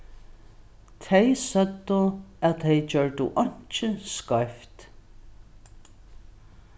tey søgdu at tey gjørdu einki skeivt